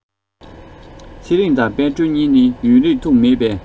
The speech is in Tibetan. ཚེ རིང དང དཔལ སྒྲོན གཉིས ནི ཡུན རིང ཐུགས མེད པས